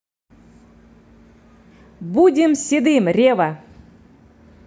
будем седым ревва